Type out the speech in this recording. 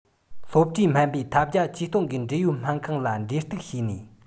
སློབ གྲྭའི སྨན པས ཐབས བརྒྱ ཇུས སྟོང གིས འབྲེལ ཡོད སྨན ཁང ལ འབྲེལ གཏུགས བྱས ནས